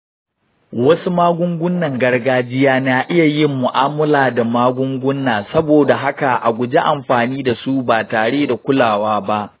wasu magungunan gargajiya na iya yin mu’amala da magunguna, saboda haka a guji amfani da su ba tare da kulawa ba.